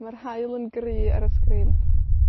Ma'r haul yn gry ar y sgrin.